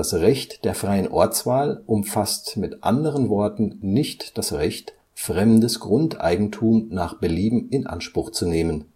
Recht der freien Ortswahl umfasst mit anderen Worten nicht das Recht, fremdes Grundeigentum nach Belieben in Anspruch zu nehmen